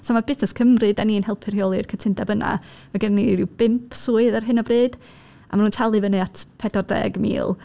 So ma' Busnes Cymru, dan ni'n helpu rheoli'r cytundeb yna. Ma' gennyn ni ryw bump swydd ar hyn o bryd, a ma' nhw'n talu fyny at pedwar deg mil.